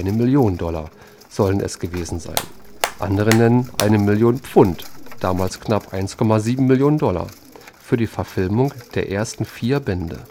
Million Dollar sollen es gewesen sein; andere nennen 1 Million Pfund (damals knapp 1,7 Millionen Dollar [Anm. 1]) für die Verfilmung der ersten vier Bände